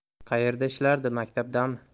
qayerda ishlardi maktabdami